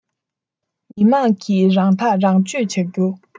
མི དམངས ཀྱིས རང ཐག རང གཅོད བྱ རྒྱུ